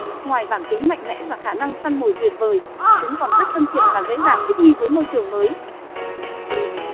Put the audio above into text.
ngoài bản tính mạnh mẽ và khả năng săn mồi tuyệt vời chúng còn rất thân thiện và dễ dàng thích nghi với môi trường mới